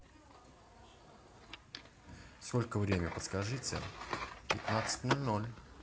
сколько время подскажи